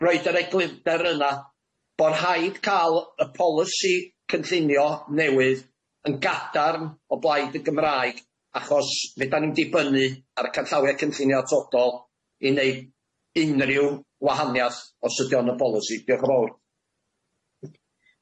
roid yr eglwydder yna bo' rhaid ca'l y polisi cynllunio newydd yn gadarn o blaid y Gymraeg achos fedan ni'm dibynnu ar y canllawia cynllunio atodol i neu' unrhyw wahaniath os ydi o'n y polisi. Diolch yn fowr.